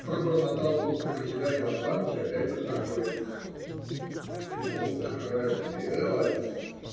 - пробормотал будто про себя Иван Иваныч, опять усаживаясь на стул. - Укротилась!